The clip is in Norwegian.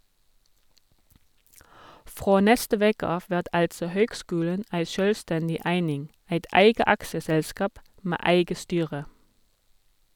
Frå neste veke av vert altså høgskulen ei sjølvstendig eining, eit eige aksjeselskap med eige styre.